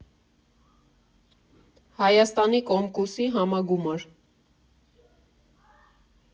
Հայաստանի Կոմկուսի համագումար։